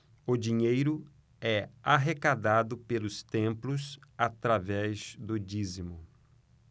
o dinheiro é arrecadado pelos templos através do dízimo